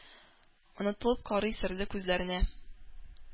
Онытылып карый серле күзләренә.